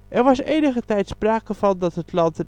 was enige tijd sprake van, dat het land